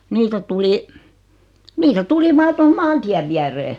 niitä tuli niitä tuli vain tuohon maantien viereen